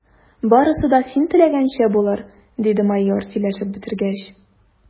Барысы да син теләгәнчә булыр, – диде майор, сөйләшеп бетергәч.